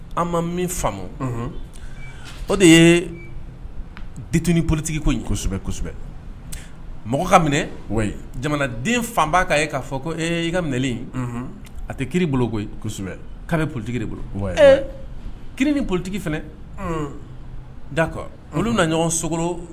O det politigi kosɛbɛsɛbɛ mɔgɔ ka minɛ jamanaden fanba'a ye k'a fɔ ko i ka minɛlen a tɛ ki bolo kosɛbɛ ka bɛ politigi bolo ki ni politigi fana daa olu nana ɲɔgɔn so